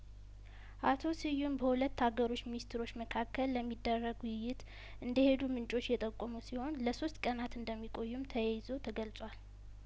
አቶ ስዩም በሁለት አገሮች ሚኒስትሮች መካከል ለሚደረግ ውይይት እንደሄዱ ምንጮች የጠቆሙ ሲሆን ለሶስት ቀናት እንደሚቆዩም ተየይዞ ተገልጿል